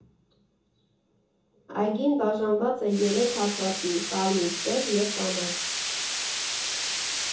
Այգին բաժանված է երեք հատվածի՝ կարմիր, սև և կանաչ։